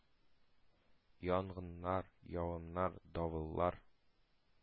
Янгыннар, явымнар, давыллар,